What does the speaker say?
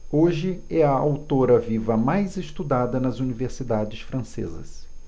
hoje é a autora viva mais estudada nas universidades francesas